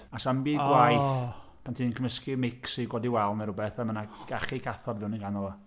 A sa'm byd... o! ...gwaeth pan ti'n cymysgu mics i godi wal neu rywbeth, a ma' 'na gachu cathod fewn yn ganol o.